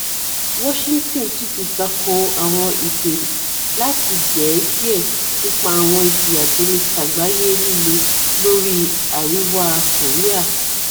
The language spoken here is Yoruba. Washington tún ti tako àwọn ìpè láti dẹ̀ ẹ́ díẹ̀ nípa àwọn ìfìyàjẹni tàgbáyé líle lórí Àríwa Kòríà.